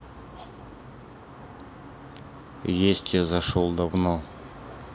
есть я зашел давно